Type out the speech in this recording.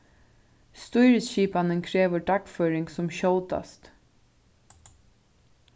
stýrisskipanin krevur dagføring sum skjótast